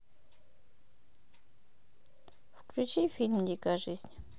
включи фильм дикая жизнь